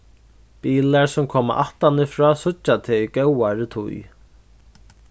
bilar sum koma aftanífrá síggja teg í góðari tíð